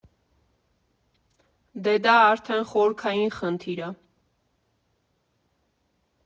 Դե դա արդեն խորքային խնդիր ա։